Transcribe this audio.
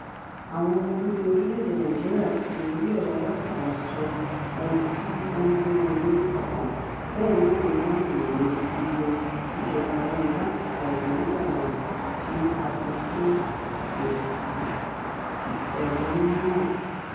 Àwọn ọmọ bíbí orílẹ̀-èdè Nàìjíríà fi orí ẹ̀rọ-alátagbà sọ ohun tí ó ń gbé wọn ní ọkàn, bẹ́ẹ̀ náà ni wọ́n lò ó fi yọ ìjọba lẹ́nu láti pa èròńgbàa rẹ̀ tì àti fún ìfẹ̀hónúhàn: